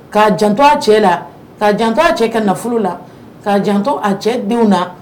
Ka jan to a cɛ la ka jan to a cɛ ka nafolo la ka jantɔ a cɛ denw la